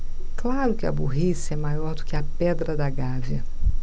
claro que a burrice é maior do que a pedra da gávea